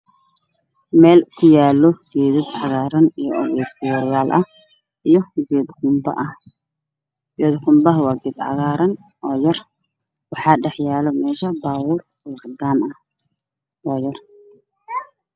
Meel ku yaalo geedad cagaaran iyo fiyoore yaal ah iyo geed qunbo ah geed qunbaha waa geed cagaaran oo yar waxaa dhex yaala meesha baabuur oo cadaan ah oo yar.